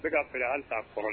Bɛ ka fɛ an ta fɔlɔ